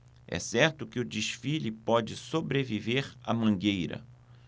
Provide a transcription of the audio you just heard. é certo que o desfile pode sobreviver à mangueira